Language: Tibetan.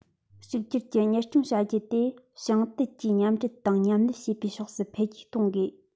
གཅིག གྱུར གྱི གཉེར སྐྱོང བྱ རྒྱུ དེ ཞིང དུད ཀྱིས མཉམ འབྲེལ དང མཉམ ལས བྱེད པའི ཕྱོགས སུ འཕེལ རྒྱས གཏོང དགོས